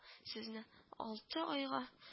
Сезне алты айга